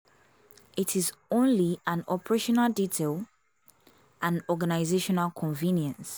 It is only an operational detail, an organisational convenience.